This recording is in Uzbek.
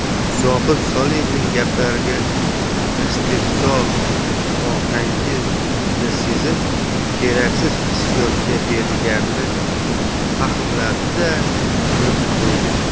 zohid solievning gaplarida istehzo ohangini sezib keraksiz hissiyotga berilganini fahmladi da kulib qo'ydi